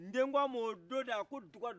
nden ko a ma o don de a ko duga